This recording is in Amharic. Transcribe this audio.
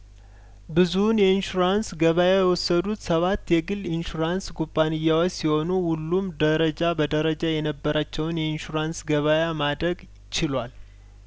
ብዙውን የኢንሹራንስ ገበያ የወሰዱት ሰባት የግል ኢንሹራንስ ኩባንያዎች ሲሆኑ ሁሉም ደረጃ በደረጃ የነበራቸውን የኢንሹራንስ ገበያ ማደግ ችሏል